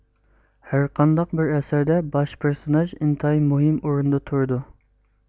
ھەرقانداق بىر ئەسەردە باش پېرسوناژ ئىنتايىن مۇھىم ئورۇندا تۇرىدۇ